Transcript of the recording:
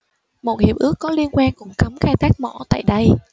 một hiệp ước có liên quan cũng cấm khai thác mỏ tại đây